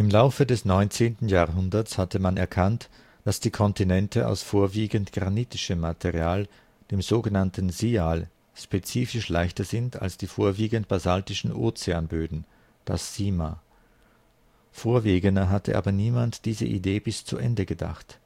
Laufe des 19. Jahrhunderts hatte man erkannt, dass die Kontinente aus vorwiegend granitischem Material (dem so genannten Sial) spezifisch leichter sind als die vorwiegend basaltischen Ozeanböden (SiMa). Vor Wegener hatte aber niemand diese Idee bis zu Ende gedacht